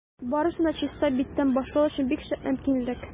Барысын да чиста биттән башлау өчен бик шәп мөмкинлек.